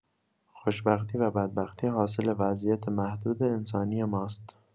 خوشبختی و بدبختی حاصل وضعیت محدود انسانی ماست.